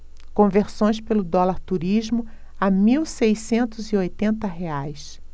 conversões pelo dólar turismo a mil seiscentos e oitenta reais